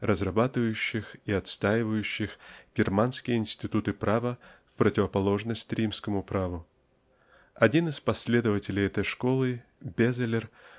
разрабатывающих и отстаивающих германские институты права в противоположность римскому праву. Один из последователей этой школы Безелер